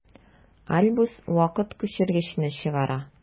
Альбус вакыт күчергечне чыгара.